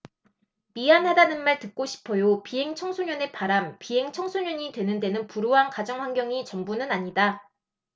미안하다는 말 듣고 싶어요 비행청소년의 바람 비행청소년이 되는 데는 불우한 가정환경이 전부는 아니다